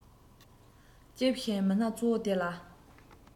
ལྕེབས ཤིང མི སྣ གཙོ བ དེ ལ